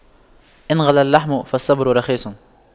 إن غلا اللحم فالصبر رخيص